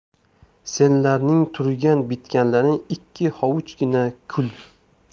senlarning turgan bitganlaring ikki hovuchgina kul